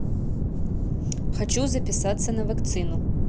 хочу записаться на вакцину